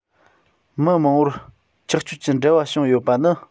མི མང བོར ཆགས སྤྱོད ཀྱི འབྲེལ བ བྱུང ཡོད པ ནི